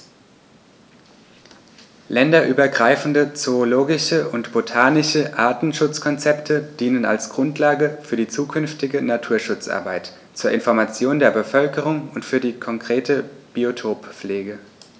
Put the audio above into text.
Länderübergreifende zoologische und botanische Artenschutzkonzepte dienen als Grundlage für die zukünftige Naturschutzarbeit, zur Information der Bevölkerung und für die konkrete Biotoppflege.